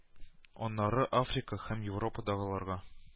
Аннары - Африка һәм Европадагыларга